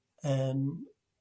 yn